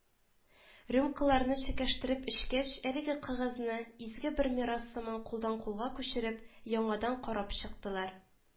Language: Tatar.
Рюмкаларны чәкәштереп эчкәч, әлеге кәгазьне изге бер мирас сыман кулдан кулга күчереп яңадан карап чыктылар